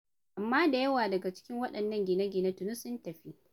Amma da yawa daga cikin waɗannan gine-gine tuni sun tafi.